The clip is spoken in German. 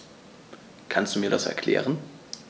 Kannst du mir das erklären?